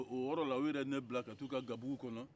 o yɔrɔ la u yɛrɛ ye ne bila ka taa u ka gabugu kɔnɔ